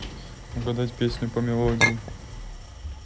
угадать песню по мелодии